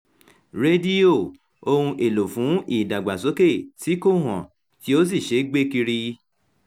Rédíò — ohun èlò fún ìdàgbàsókè tí kò hàn, tí ó sì ṣe é gbé kiri.